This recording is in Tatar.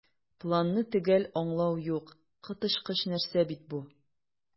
"планны төгәл аңлау юк, коточкыч нәрсә бит бу!"